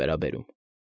Վերաբերում։